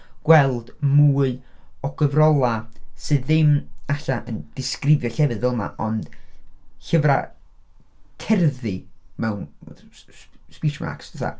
..gweld mwy o gyfrolau sy ddim ella yn disgrifio llefydd fel yma ond llyfrau cerddi mewn speech marks 'tha.